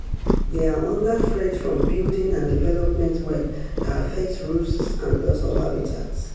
They are under threat from building and development work that affects roosts and loss of habitat.